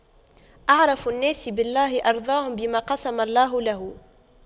أعرف الناس بالله أرضاهم بما قسم الله له